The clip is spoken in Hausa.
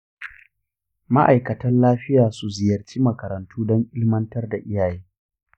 ma'aikatan lafiya su ziyarci makarantu don ilmantar da iyaye.